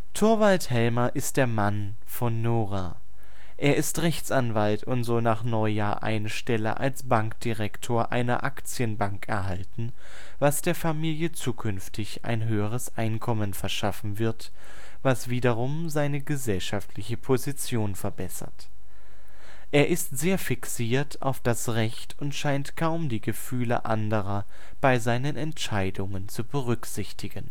Torvald Helmer ist der Ehemann von Nora. Er ist Rechtsanwalt und soll nach Neujahr eine Stelle als Bankdirektor einer Aktienbank erhalten, was der Familie zukünftig ein höheres Einkommen verschaffen wird, was wiederum seine gesellschaftliche Position verbessert. Er ist sehr fixiert auf das Recht und scheint kaum die Gefühle anderer bei seinen Entscheidungen zu berücksichtigen